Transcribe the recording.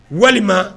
Walima